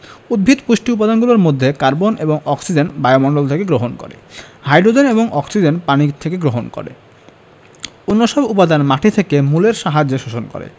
উদ্ভিদ পুষ্টি উপাদানগুলোর মধ্যে কার্বন এবং অক্সিজেন বায়ুমণ্ডল থেকে গ্রহণ করে হাই্ড্রোজেন এবং অক্সিজেন পানি থেকে গ্রহণ করে অন্যসব উপাদান মাটি থেকে মূলের সাহায্যে শোষণ করে